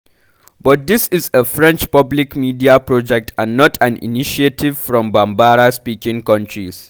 But this is a French public media project and not an initiative from Bambara speaking countries.